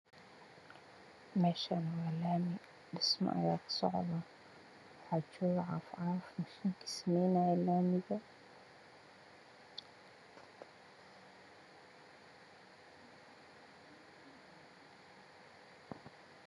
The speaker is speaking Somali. Meshaani waa lami dhisma ayaa ku socda waxaa jooga cagaf cagaf mashiin ka samaynaya lamiga